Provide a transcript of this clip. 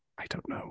I don't know.